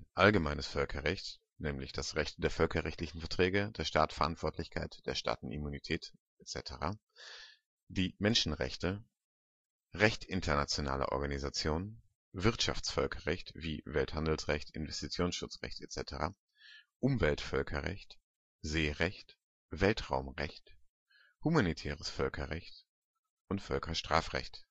Allgemeines Völkerrecht (Recht der Völkerrechtlichen Verträge, der Staatenverantwortlichkeit, Staatenimmunität etc.) Menschenrechte Recht internationaler Organisationen Wirtschaftsvölkerrecht (Welthandelsrecht, Investitionsschutz etc.) Umweltvölkerrecht Seerecht Weltraumrecht Humanitäres Völkerrecht Völkerstrafrecht